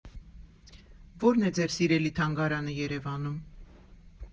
Ո՞րն է ձեր սիրելի թանգարանը Երևանում։